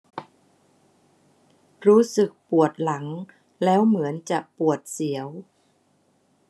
รู้สึกปวดหลังแล้วเหมือนจะปวดเสียว